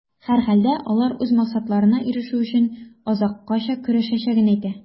Һәрхәлдә, алар үз максатларына ирешү өчен, азаккача көрәшәчәген әйтә.